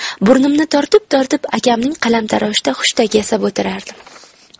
burnimni tortib tortib akamning qalamtaroshida hushtak yasab o'tirardim